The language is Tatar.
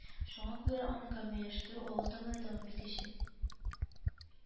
Шуңда күрә, аны камилләштерү алга таба да дәвам итәчәк